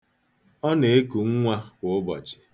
Ọ na-eku nwa kwa ụbọchị.